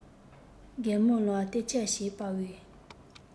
རྒད མོང ལ སྟེར ཆད བྱེད པའི